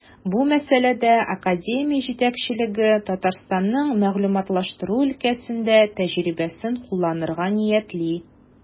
Бу мәсьәләдә академия җитәкчелеге Татарстанның мәгълүматлаштыру өлкәсендә тәҗрибәсен кулланырга ниятли.